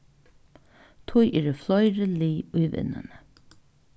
tí eru fleiri lið í vinnuni